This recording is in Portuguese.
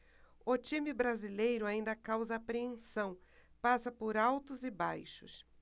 o time brasileiro ainda causa apreensão passa por altos e baixos